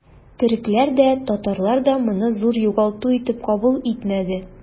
Төрекләр дә, татарлар да моны зур югалту итеп кабул итмәде.